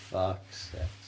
Fox ia.